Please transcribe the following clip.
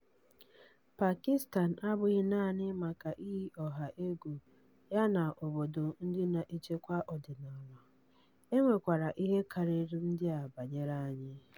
Pakistan abụghị naanị maka iyi ọha egwu yana obodo ndị na-echekwa ọdịnala, e nwekwara ihe karịrị ndị a banyere anyị.